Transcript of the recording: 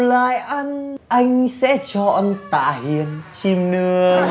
lại ăn anh sẽ chọn tạ hiền chim nướng